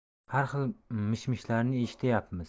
har xil mishmishlarni eshityapmiz